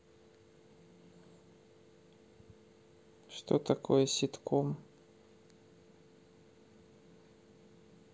что такое ситком